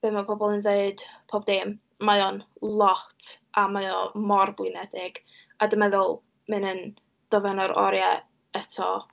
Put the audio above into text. Be ma' pobl yn ddeud, pob dim. Mae o'n lot, a mae o mor blinedig, a dwi'n meddwl ma' hyn yn dod fewn â'r oriau eto.